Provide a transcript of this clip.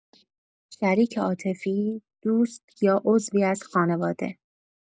شریک عاطفی، دوست یا عضوی از خانواده